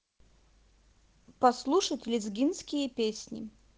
послушать лезгинские песни